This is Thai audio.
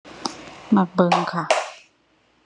มักเบิ่งค่ะ